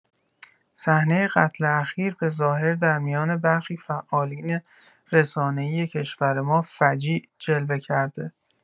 صحنه قتل اخیر، به‌ظاهر در میان برخی فعالین رسانه‌ای کشور ما «فجیع» جلوه کرده